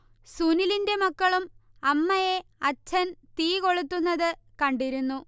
സുനിലിന്റെ മക്കളും അമ്മയെ അഛ്ഛൻ തീ കൊളുത്തുന്നത് കണ്ടിരുന്നു